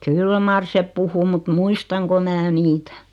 kyllä mar se puhui mutta muistanko minä niitä